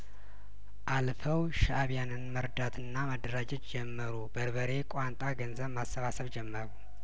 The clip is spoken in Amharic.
አልፈው ሻእቢያንን መርዳትና ማደራጀት ጀመሩ በርበሬ ቋንጣ ገንዘብ ማሰባሰብ ጀመሩ